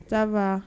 Taba